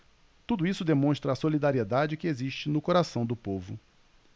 tudo isso demonstra a solidariedade que existe no coração do povo